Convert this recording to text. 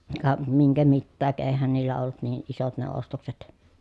ka minkä mitäkin eihän niillä ollut niin isot ne ostokset